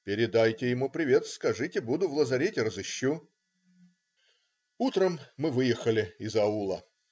Передайте ему привет, скажите, буду в лазарете - разыщу". Утром мы выехали из аула.